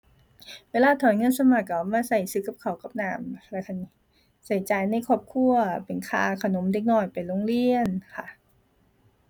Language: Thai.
เวลาถอนเงินส่วนมากก็เอามาก็ซื้อกับข้าวกับน้ำล่ะค่ะหนิ ก็จ่ายในครอบครัวเป็นค่าขนมเด็กน้อยไปโรงเรียนค่ะ